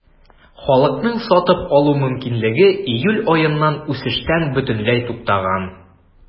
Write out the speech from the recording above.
Халыкның сатып алу мөмкинлеге июль аеннан үсештән бөтенләй туктаган.